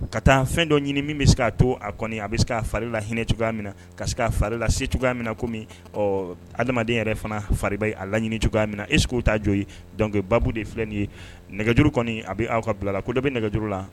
Ka taa fɛn dɔ ɲini min bɛ se' to a kɔni a bɛ se k a fala hinɛinɛ cogoya min na ka se a fala se cogoya min na kɔmi ɔ adamaden yɛrɛ fana fari ye a la ɲini cogoya min na esew t ta jo ye dɔnkilikebabu de filɛ nin ye nɛgɛjuru kɔni a bɛ' aw ka bilala ko de bɛ nɛgɛjuru la